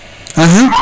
axa